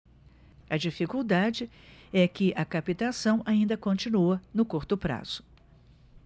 a dificuldade é que a captação ainda continua no curto prazo